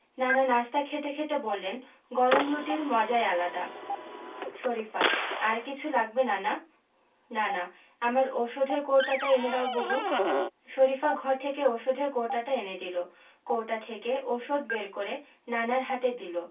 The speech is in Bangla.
নানা নাশতা খেতে খেতে বললেন গরম রুটির মজাই আলাদা শরিফা আর কিছু লাগবে নানা নানা আমার ঔষধের কৌটাটা এনে দাও বুবু শরিফা ঘর থেকে ঔষধের কৌটাটা এনে দিল কৌটা থেকে ঔষধ বের করে নানার হাতে দিল